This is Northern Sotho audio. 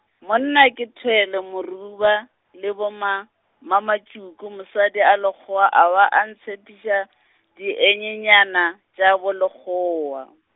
monna ke thwele moruba, le boMa-, -Mamatšuku mosadi a Lekgowa a be a ntshepiša, di engenyana, tša boLekgowa.